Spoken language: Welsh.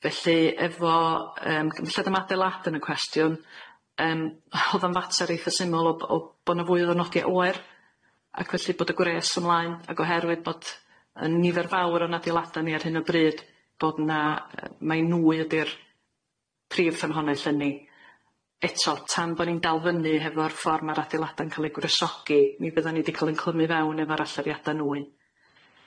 Felly efo yym cymdeithiad am adeilad yn y cwestiwn yym o'dd o'n fater eitha syml o b- o bo' na fwy o ddwrnodie oer ac felly bod y gwres ymlaen ac oherwydd bod y nifer fawr o'n adeilada ni ar hyn o bryd bod na yy mae nwy ydi'r prif ffynhonnell ynni eto tan bo' ni'n dal fyny hefo'r ffor' ma'r adeilada'n ca'l ei gwresogi mi fyddan ni di ca'l yn clymu fewn efo'r allyriada nwy.